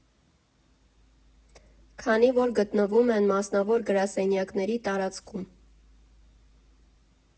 Քանի որ գտնվում են մասնավոր գրասենյակների տարածքում։